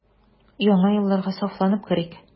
Яңа елларга сафланып керик.